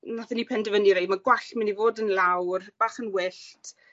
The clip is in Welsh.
nathon ni penderfynu rei' ma' gwallt myn' i fod yn lawr, bach yn wyllt.